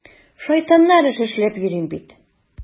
Шайтаннар эше эшләп йөрим бит!